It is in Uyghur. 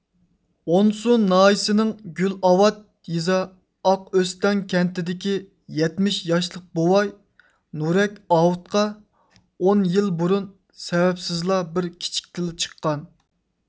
ئونسۇ ناھىيىسىنىڭ گۈلئاۋات يېزا ئاقئۆستەڭ كەنتىدىكى يەتمىش ياشلىق بوۋاي نۇرەك ئاۋۇتقا ئون يىل بۇرۇن سەۋەبسىزلا بىر كىچىك تىل چىققان